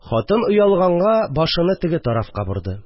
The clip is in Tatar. Хатын, оялганга, башыны теге тарафка борды